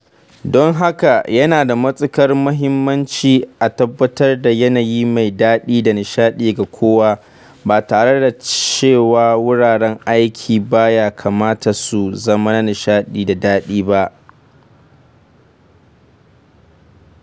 Don haka, yana da matuƙar mahimmanci a tabbatar da yanayi mai daɗi da nishadi ga kowa (ba tare da cewa wuraren aiki ba ya kamata su zama na nishaɗi da daɗi ba).